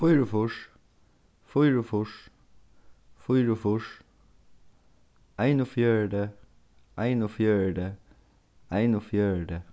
fýraogfýrs fýraogfýrs fýraogfýrs einogfjøruti einogfjøruti einogfjøruti